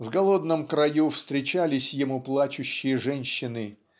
в голодном краю встречались ему плачущие женщины